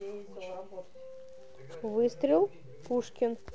выстрел пушкин